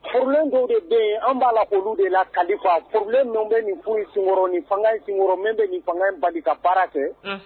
Len ko de an b'a la olu de la kafalen bɛ nin fanga in nin fanga in bali ka baara kɛ